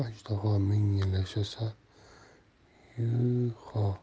ajdaho ming yil yashasa yuho